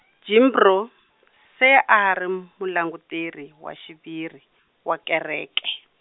Jimbro, se a a ri mulanguteri wa xiviri wa kereke.